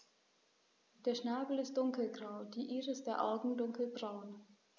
Der Schnabel ist dunkelgrau, die Iris der Augen dunkelbraun.